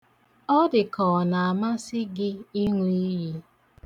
Ọ dị ka ọ na-amasị gị ịṅụ iyi.